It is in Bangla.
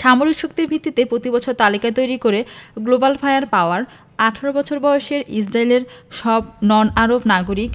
সামরিক শক্তির ভিত্তিতে প্রতিবছর তালিকা তৈরি করে গ্লোবাল ফায়ার পাওয়ার ১৮ বছর বয়সের মধ্যে ইসরায়েলের সব নন আরব নাগরিক